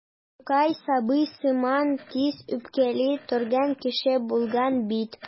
Тукай сабый сыман тиз үпкәли торган кеше булган бит.